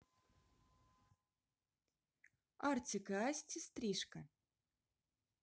artik и asti стрижка